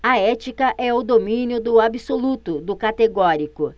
a ética é o domínio do absoluto do categórico